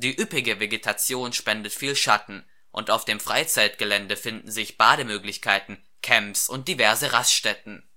üppige Vegetation spendet viel Schatten, und auf dem Freizeitgelände finden sich Bademöglichkeiten, Camps und diverse Raststätten